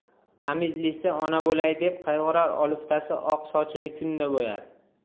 tamizlisi ona bo'lay deb qayg'urar oliftasi oq sochini kunda bo'yar